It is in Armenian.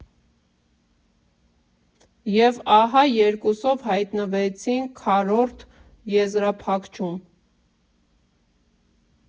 Եվ ահա երկուսով հայտնվեցինք քառորդ եզրափակչում։